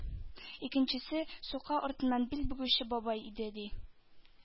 Икенчесе — сука артыннан бил бөгүче бабай иде, ди.